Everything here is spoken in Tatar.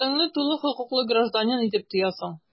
Үзеңне тулы хокуклы гражданин итеп тоясың.